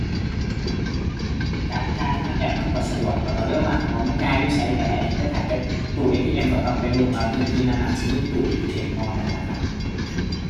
การจ่ายผ่านแอปมันก็สะดวกแล้วก็เร็วกว่าครับ เพราะมันจ่ายอยู่ไสก็ได้ แต่ถ้าไปตู้ ATM ก็ต้องไปลุ้นว่าพื้นที่นั้นนั้นสิมีตู้ ATM บ่นั่นล่ะครับ